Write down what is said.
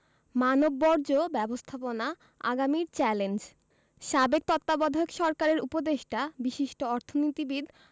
মানববর্জ্য ব্যবস্থাপনা আগামীর চ্যালেঞ্জ সাবেক তত্ত্বাবধায়ক সরকারের উপদেষ্টা বিশিষ্ট অর্থনীতিবিদ